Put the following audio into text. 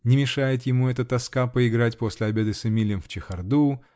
Не мешает ему эта тоска играть после обеда с Эмилем в чехарду.